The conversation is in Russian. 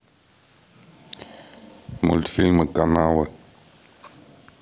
мультфильмы каналы